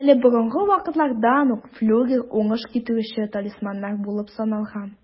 Әле борынгы вакытлардан ук флюгер уңыш китерүче талисманнар булып саналган.